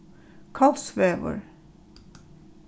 kolsvegur